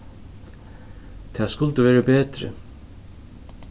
tað skuldi verið betri